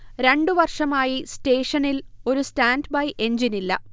രണ്ടു വർഷമായി സ്റ്റേഷനിൽ ഒരു സ്റ്റാന്റ് ബൈ എഞ്ചിനില്ല